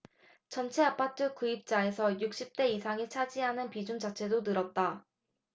전체 아파트 구입자에서 육십 대 이상이 차지하는 비중 자체도 늘었다